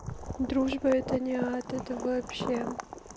дружба это не ад это вообще